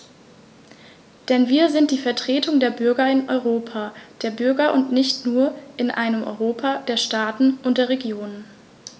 Denn wir sind die Vertreter der Bürger im Europa der Bürger und nicht nur in einem Europa der Staaten und der Regionen.